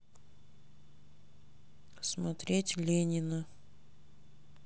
смерть ленина